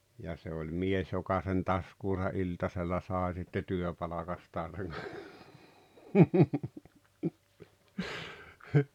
ja se oli mies joka sen taskuunsa iltasella sai sitten työpalkastaan sen